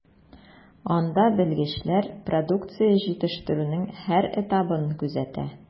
Анда белгечләр продукция җитештерүнең һәр этабын күзәтә.